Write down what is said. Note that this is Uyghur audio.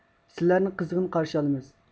سىلەرنى قىزغىن قارشى ئالىمىز